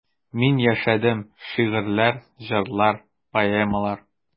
Мин яшәдем: шигырьләр, җырлар, поэмалар.